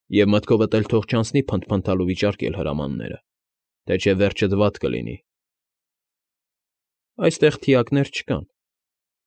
Եվ մտքովդ էլ թող չանցնի փնթփնթալ ու վիճարկել հրամանները, թե չէ վերջդ վատ կլինի։ ֊ Այստեղ թիակներ չկան։